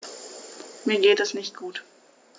Mir geht es nicht gut.